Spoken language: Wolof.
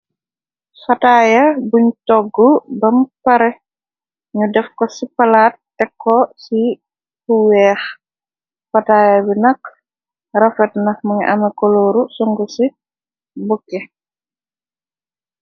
Fataaya buñ toggu bam paré ñu def ko ci palat tek ko ci fu wèèx. Fataaya bi nak rafet na mu ngi ameh kolor sun'ngufi ci bukki.